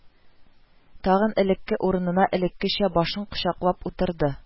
Тагын элекке урынына, элеккечә башын кочаклап утырды